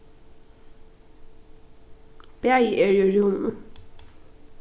bæði eru í rúminum